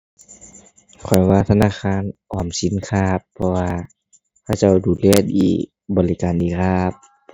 ข้อยว่าธนาคารออมสินครับ เพราะว่าเขาเจ้าดูแลดี บริการดีครับ